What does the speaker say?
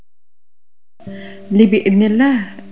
باذن الله